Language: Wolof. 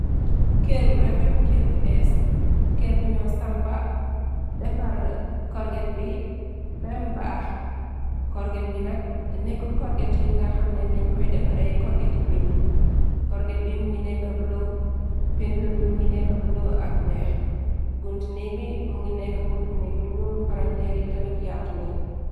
Kërr bu rafet kërr bu es kërr bu ñyoo sampa defar korget bi bem baax korget bi nak nekkut korgetyi nga xamne dañ koy defare korgeti weñ korget bi mu ngi nekka bulo pintury mu ngi nekka bulo ak weex buntinik bi mu ngi nekka buntinik bu ñul paranteer yi tamit yartu nañg.